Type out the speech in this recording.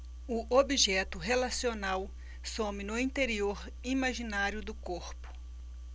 o objeto relacional some no interior imaginário do corpo